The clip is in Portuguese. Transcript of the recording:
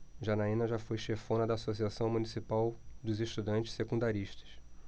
janaina foi chefona da ames associação municipal dos estudantes secundaristas